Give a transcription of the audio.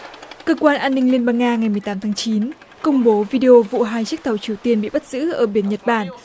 cơ quan an ninh liên bang nga ngày mười tám tháng chín công bố vi đi ô vụ hai chiếc tàu triều tiên bị bắt giữ ở biển nhật bản